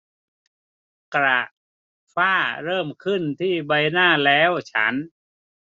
กระฝ้าเริ่มขึ้นที่ใบหน้าแล้วฉัน